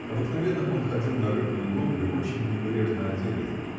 Обыкновенно он ходил на рыбную ловлю очень небрежно одетый